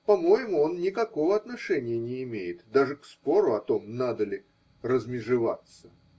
По-моему, он никакого отношения не имеет даже к спору о том. надо ли размежеваться.